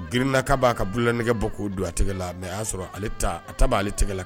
Grininaka'a ka blan nɛgɛgɛ bɔ' don a tɛgɛ la mɛ a y'a sɔrɔ a ta' ale tɛgɛ la